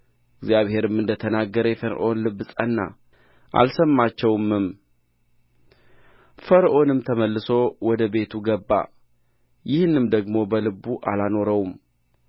እግዚአብሔርም እንደተናገረ የፈርዖን ልብ ጸና አልሰማቸውምም ፈርዖንም ተመልሶ ወደ ቤቱ ገባ ይህንም ደግሞ በልቡ አላኖረውም